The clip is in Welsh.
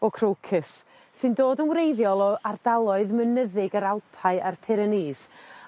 o crocus sy'n dod yn wreiddiol o ardaloedd mynyddig yr alpau a'r Pyranees.